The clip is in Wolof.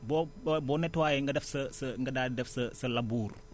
boo boo nettoyé nga def sa sa nga daal di def sa sa labour